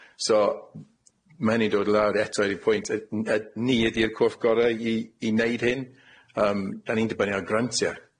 So m- ma' hynny dod lawr eto i'r pwynt yy n- yy ni ydi'r corff gorau i i neud hyn? Yym, 'dan ni'n dibynnu ar grantia.